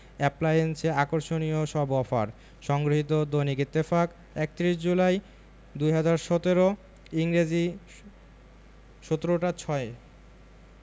অ্যাপ্লায়েন্সে আকর্ষণীয় সব অফার সংগৃহীত দৈনিক ইত্তেফাক ৩১ জুলাই ২০১৭ ইংরেজি ১৭ টা ৬